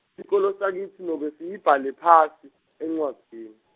sikolo sakitsi nobe siyibhale phasi, encwadzini.